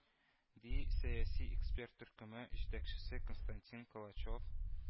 - ди “сәяси эксперт төркеме” җитәкчесе константин калачев